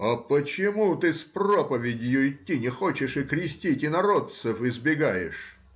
— А почему ты с проповедью идти не хочешь и крестить инородцев избегаешь?